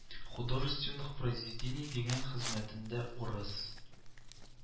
Художественных произведений дигән хезмәтендә урыс